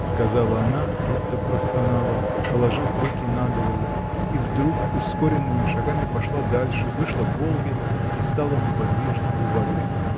— сказала она, будто простонала, положив руки на голову, и вдруг ускоренными шагами пошла дальше, вышла к Волге и стала неподвижно у воды.